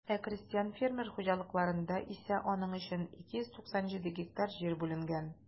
Ә крестьян-фермер хуҗалыкларында исә аның өчен 297 гектар җир бүленгән.